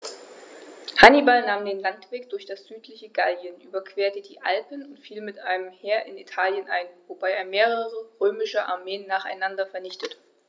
Hannibal nahm den Landweg durch das südliche Gallien, überquerte die Alpen und fiel mit einem Heer in Italien ein, wobei er mehrere römische Armeen nacheinander vernichtete.